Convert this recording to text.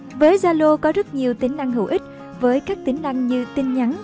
với zalo có rất nhiều tính năng hữu ích với các tính năng như tin nhắn